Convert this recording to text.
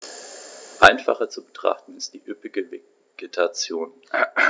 Einfacher zu betrachten ist die üppige Vegetation.